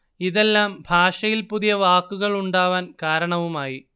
ഇതെല്ലാം ഭാഷയിൽ പുതിയ വാക്കുകൾ ഉണ്ടാവാൻ കാരണവുമായി